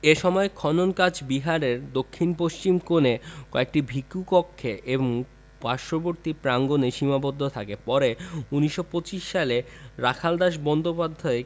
এ সময়ে খনন কাজ বিহারের দক্ষিণ পশ্চিম কোণের কয়েকটি ভিক্ষু কক্ষে এবং পার্শ্ববর্তী প্রাঙ্গনে সীমাবদ্ধ থাকে পরে ১৯২৫ সালে রাখালদাস বন্দ্যোপাধ্যায়